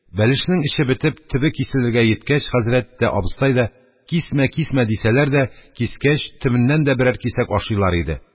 Бәлешнең эче бетеп, төбе киселергә йиткәч, хәзрәт тә, абыстай да: «Кисмә, кисмә!» – дисәләр дә, кискәч, төбеннән дә берәр кисәк ашыйлар иде.